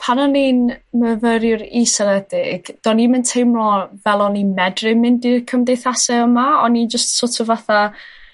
pan o'n i'n myfyriwr israddedig do'n i'm yn teimlo fel o'n i'n medru mynd i'r cymdeithase yma. O'n i'n jyst so't o' fatha